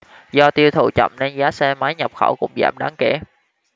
do tiêu thụ chậm nên giá xe máy nhập khẩu cũng giảm đáng kể